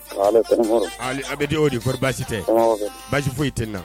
A bɛden o deɔri baasi tɛ basi foyi tɛ na